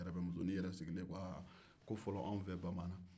yɛrɛbɛmusonin yɛrɛ sigilen ko aa fɔlɔ an fɛ bamanna